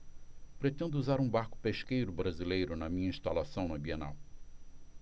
pretendo usar um barco pesqueiro brasileiro na minha instalação na bienal